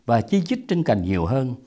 và chi chít trên cành nhiều hơn